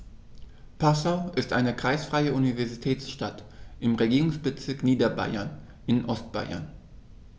Passau ist eine kreisfreie Universitätsstadt im Regierungsbezirk Niederbayern in Ostbayern.